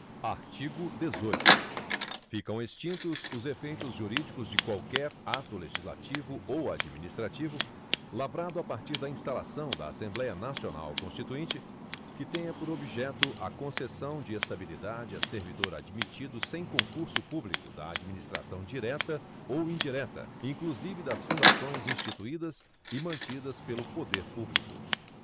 artigo dezoito ficam extintos os efeitos jurídicos de qualquer ato legislativo ou administrativo lavrado a partir da instalação da assembléia nacional constituinte que tenha por objeto a concessão de estabilidade a servidor admitido sem concurso público da administração direta ou indireta inclusive das fundações instituídas e mantidas pelo poder público